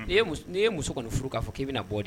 N’i ye muso, n’i ye muso kɔnɔ furu k'a fɔ k'i bɛna na bɔ